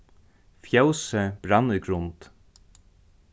fjósið brann í grund